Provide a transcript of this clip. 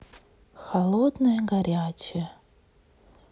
холодное горячее